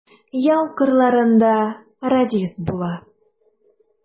Яу кырларында радист була.